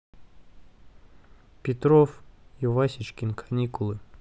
петров и васечкин каникулы